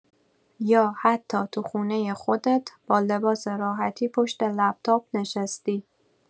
یا حتی تو خونه خودت، با لباس راحتی پشت لپ‌تاپ نشستی.